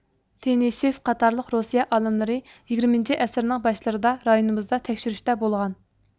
تىنىشېف قاتارلىق روسىيە ئالىملىرى يىگىرمىنچى ئەسىرنىڭ باشلىرىدا رايونىمىزدا تەكشۈرۈشتە بولغان